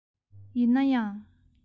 ཡིན ན ཡང